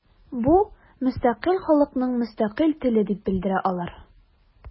Бу – мөстәкыйль халыкның мөстәкыйль теле дип белдерә алар.